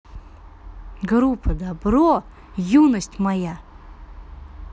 группа dabro юность моя